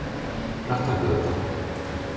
brattagøta